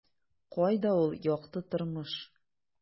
Кайда ул - якты тормыш? ..